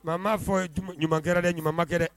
Mama ma fɔ ɲumankɛ dɛ ɲumankɛ dɛ